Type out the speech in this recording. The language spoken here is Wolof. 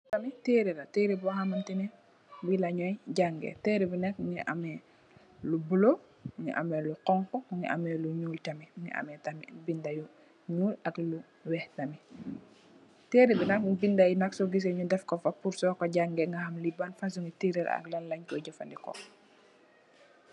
Lii tamit tehreh la, tehreh bor hamanteh neh lii leh njoi jaangeh, tehreh bii nak mungy ameh lu bleu, mungy ameh lu honku, mungy ameh lu njull tamit, mungy ameh tamit binda yu njull ak lu wekh tamit, tehreh bii nak binda yii nak sor giseh nju deff kor fa pur sokor jangeh nga ham lii ban fasoni tehreh la ak lan langh koi jeufandehkor.